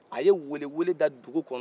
a ye weele-weele da dugukɔnɔ